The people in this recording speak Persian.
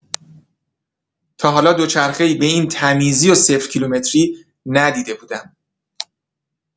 تا حالا دوچرخه‌ای به این تمیزی و صفرکیلومتری ندیده بودم.